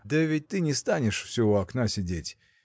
да ведь ты не станешь все у окна сидеть